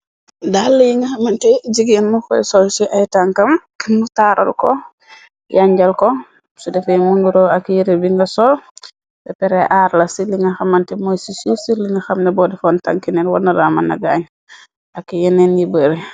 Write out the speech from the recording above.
Dalla yi nga xamante jigéen mokoy soll ci ay tankam mu taarar ko yañjal ko su defay mu nduroo ak yere bi nga sol ppr ar la ci linga xamante mooy cisi ci linga xamne boo difoon tankiner wona raaman na gaañ ak yeneen yi bëre.